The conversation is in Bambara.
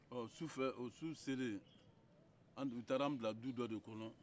ɔ su fɛ o su selen u taara an bila du dɔ de kɔnɔ